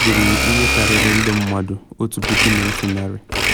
Egburu ihe karịrị ndị mmadụ 1,100.